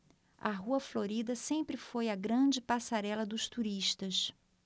a rua florida sempre foi a grande passarela dos turistas